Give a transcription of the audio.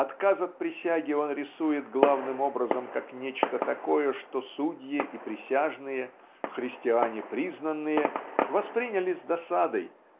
Отказ от присяги он рисует главным образом как нечто такое что судьи и присяжные христиане признанные восприняли с досадой